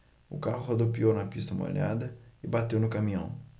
o carro rodopiou na pista molhada e bateu no caminhão